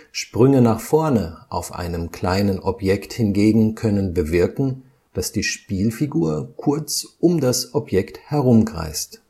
Sprünge nach vorne auf einem kleinen Objekt hingegen können bewirken, dass die Spielfigur kurz um das Objekt herum kreist